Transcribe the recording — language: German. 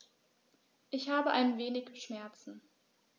Ich habe ein wenig Schmerzen.